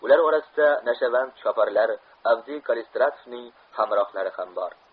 ular orasida nashavand choparlar avdiy kallistratovning hamrohlari ham bor